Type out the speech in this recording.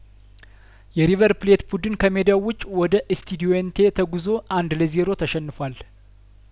የሪቨር ፕሌት ቡድን ከሜዳው ውጭ ወደ ኤስቱዱዬንቴ ተጉዞ አንድ ለዜሮ ተሸንፏል